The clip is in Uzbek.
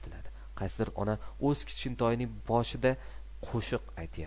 qaysidir ona o'z kichkintoyining boshida qo'shiq aytyapti